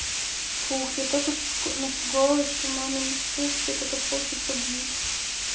фух я так напугалась что мамин пупсик это поке погиб